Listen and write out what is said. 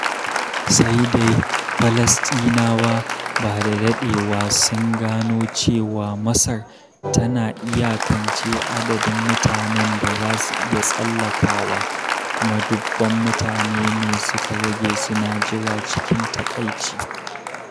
Sai dai, Falasɗinawa ba da daɗewa sun gano cewa Masar tana iyakance adadin mutanen da za su iya tsallakawa, kuma dubban mutane ne suka rage suna jira cikin takaici.